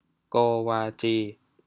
โกวาจี